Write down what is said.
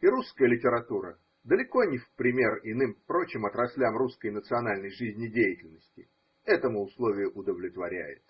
и русская литература – далеко не в пример иным прочим отраслям русской национальной жизнедеятельности – этому условию удовлетворяет.